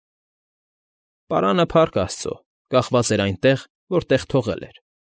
Պարանը, փառք աստծո, կախված էր այնտեղ, որտեղ թողել էր։